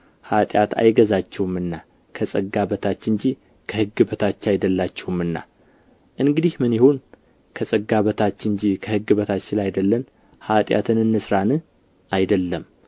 ኃጢአት አይገዛችሁምና ከጸጋ በታች እንጂ ከሕግ በታች አይደላችሁምና እንግዲህ ምን ይሁን ከጸጋ በታች እንጂ ከሕግ በታች ስላይደለን ኃጢአትን እንሥራን አይደለም